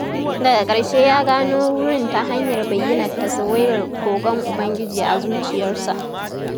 Daga ƙarshe ya gano wurin ta hanyar bayyanar tasawirar kogon Ubangiji a zuciyarsa.